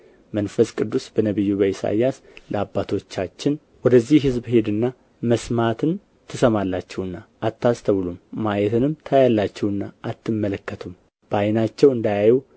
መንፈስ ቅዱስ በነቢዩ በኢሳይያስ ለአባቶቻችን ወደዚህ ሕዝብ ሂድና መስማትን ትሰማላችሁና አታስተውሉም ማየትንም ታያላችሁና አትመለከቱም በዓይናቸው እንዳያዩ